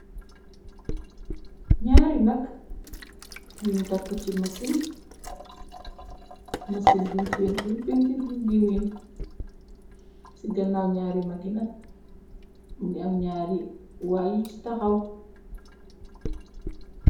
Naari nakk yuñ tàkk ci masin, mansi buñ pentiir pentiir bu green, ci gannaaw ñaari maginak , mungi am ñaari wayyu ci taxaw.